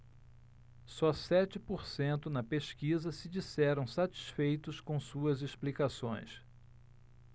só sete por cento na pesquisa se disseram satisfeitos com suas explicações